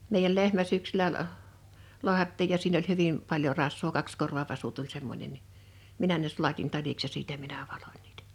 meidän lehmä syksyllä - lahdattiin ja siinä oli hyvin paljon rasvaa kaksikorvavasu tuli semmoinen niin minä ne sulatin taliksi ja siitä minä valoin niitä